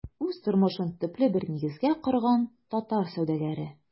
Үз тормышын төпле бер нигезгә корган татар сәүдәгәре.